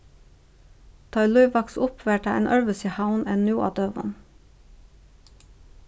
tá ið lív vaks upp var tað ein øðrvísi havn enn nú á døgum